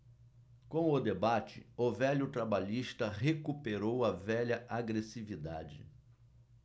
com o debate o velho trabalhista recuperou a velha agressividade